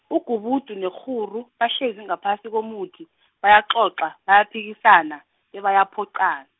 ugubudu nekghuru, bahlezi ngaphasi komuthi, bayacoca bayaphikisana bebayaphoqana.